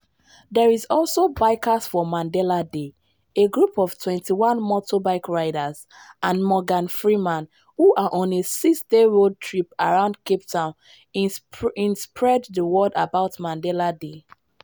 There is also “Bikers for Mandela Day” – a group of 21 motorbike riders (and Morgan Freeman) who are on a six-day road trip around Cape Town in spread the word about Mandela Day.